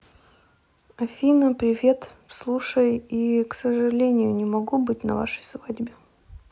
афина привет слушай и к сожалению не могу быть на вашей свадьбе